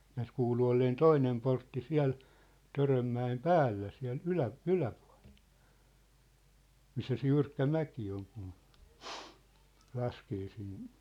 näet kuului olleen toinen portti siellä Törönmäen päällä siellä - yläpuolella missä se jyrkkä mäki on kun laskee sinne